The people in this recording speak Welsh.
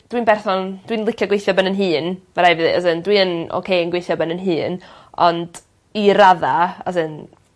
Dwi'n berson dwi'n licio gweithio ben 'yn hun ma' rai' fi ddeu as in dwi yn oce yn gweithio ben 'yn hun ond i radda as in